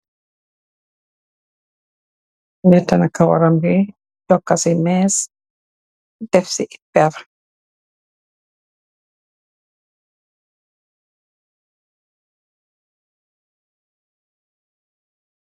Lehtah na kawaram bii, yohka cii meeche, deff cii pehrr.